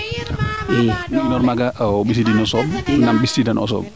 i fi naaga o ɓisidin o sooɓ nam ɓistiidano o sooɓ